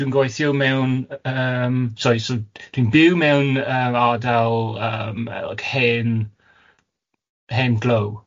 dwi'n gweithio mewn yym... sori so, dwi'n byw mewn yy yr ardal yym yy like hen, hen glow.